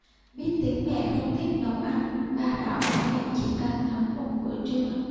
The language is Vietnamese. biết tính mẹ không thích nấu ăn ba đã bảo mẹ chỉ cần nấu một bữa trưa